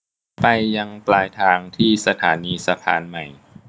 ไปยังปลายทางที่สถานีสะพานใหม่